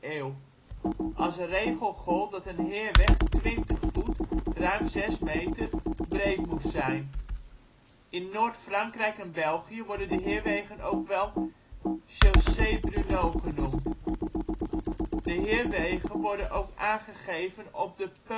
eeuw. Als regel gold dat een heerweg 20 voet (ruim 6 meter) breed moest zijn. In Noord-Frankrijk en België worden de heerwegen ook wel Chaussée Brunehaut genoemd. De heerwegen worden ook aangegeven op de